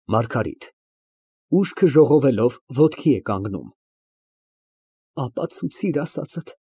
ՄԱՐԳԱՐԻՏ ֊ (Ուշքը ժողովելով ոտքի է կանգնում) Ապացուցիր ասածդ։